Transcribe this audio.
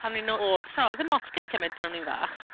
Pan o'n ni... Oedd. ...Timod oedd dim ots gyda fi cymaint pan o'n i'n fach.